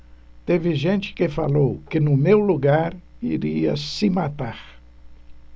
teve gente que falou que no meu lugar iria se matar